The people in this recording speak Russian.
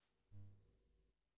что такое спорт